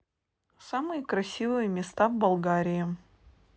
самые красивые места в болгарии